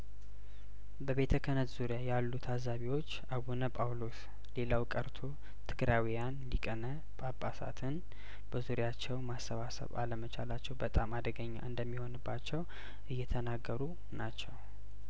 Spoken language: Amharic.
በቤተ ክህነት ዙሪያያሉ ታዛቢዎች አቡነ ጳውሎስ ሌላው ቀርቶ ትግራዊያን ሊቀ ጳጳሳትን በዙሪያቸው ማሳባሰብ አለመቻላቸው በጣም አደገኛ እንደሚሆንባቸው እየተናገሩ ናቸው